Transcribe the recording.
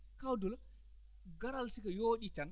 kaw Doulo garal siko yooɗi tan